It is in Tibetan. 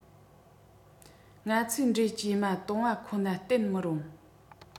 ང ཚོའི འགྲོས ཇེ དམའ སྟོང བ ཁོ ན བརྟེན མི རུང